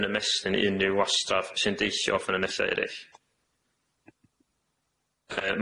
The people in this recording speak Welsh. yn ymestyn i unrhyw gwastraff sy'n deillio o ffynonella eryll.